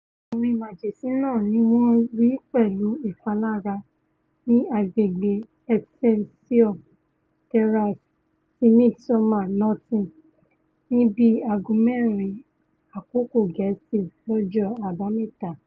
Ọmọkùnrin màjèsín náà ni wọn ri pẹ̀lú ìpalára ní agbègbè̀ Excelsior Terrace ti Midsomer Norton, ní bíi aago mẹ́rin Àkókò Gẹ̀ẹ́sì lọ́jọ́ Àbámẹ́ta.